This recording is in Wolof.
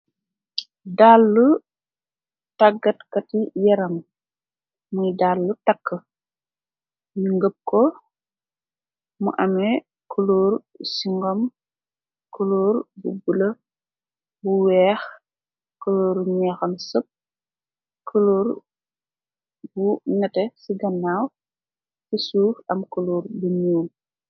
Dàllu tàggatkati yaram muy dàllu takk ñu ngëp ko mu ame koloor singom coloor bu bule bu weex kolooru ñeexam sepp koloor bu nate ci gannaaw ci suuf am coloor bu ñuum.